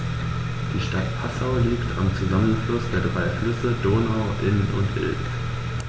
Die Stadt Passau liegt am Zusammenfluss der drei Flüsse Donau, Inn und Ilz.